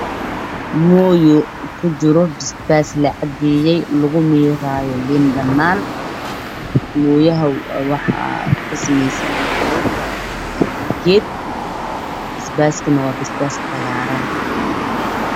Mooyo ku jiro basbaas la cadeeyay mooyah wuxu ka sameysanyahy geed basbaas kuna waa cagaar